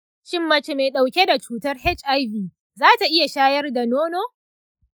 shin mace mai ɗauke da cutar hiv za ta iya shayar da nono?